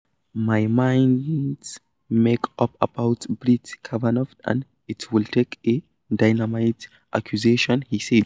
"My mind's made up about Brett Kavanaugh and it would take a dynamite accusation," he said.